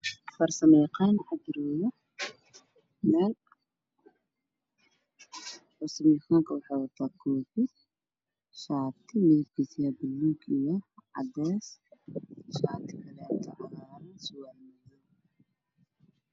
Waa farsamo yaqaan meel ayuu sameynayaa ka muuqda alwaax madow wuxuu wataa shaati cagaar koofi madow surwaal madow